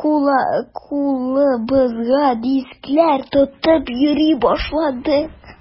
кулыбызга дисклар тотып йөри башладык.